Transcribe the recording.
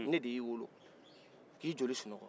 ne de y'i wolo k'i joli sunɔgɔ